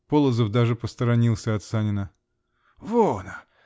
Полозов даже посторонился от Санина. -- Вона!